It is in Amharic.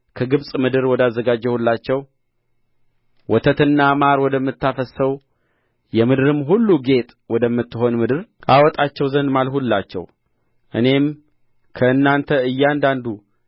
ከግብጽ ምድር ወዳዘጋጀሁላቸው ወተትና ማር ወደምታፈስሰው የምድርም ሁሉ ጌጥ ወደምትሆን ምድር አወጣቸው ዘንድ ማልሁላቸው እኔም ከእናንተ እያንዳንዱ